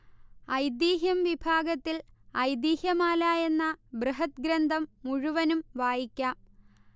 ഐതിഹ്യം വിഭാഗത്തിൽ 'ഐതിഹ്യമാല' എന്ന ബൃഹത്ഗ്രന്ഥം മുഴുവനും വായിക്കാം